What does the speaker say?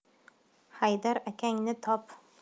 haydar akangni top